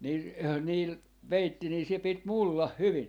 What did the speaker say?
niin niillä peitti niin se piti mullan hyvin